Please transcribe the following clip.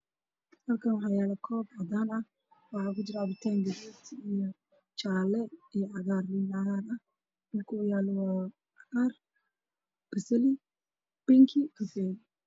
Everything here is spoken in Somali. Halkaan waxaa yaalo koob cadaan ah waxaa kujiro cabitaan gaduudan, jaale iyo cagaar, meesha uu yaalana waa cagaar, basali, bingi, kafay.